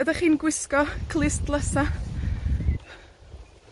ydach chi'n gwisgo clustlysa?